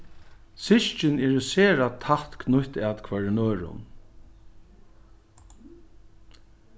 systkin eru sera tætt knýtt at hvørjum øðrum